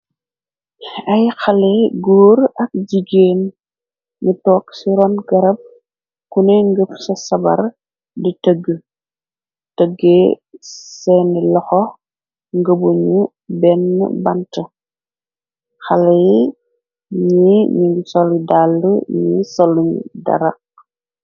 Ay xale góor ak jigeen ni toog ci ron garab kune ngëf ca sabar di tëgg tëggee seeni loxo ngëbu ñu benn bant xale yi ñi ñig solu dàlla yi solu dara.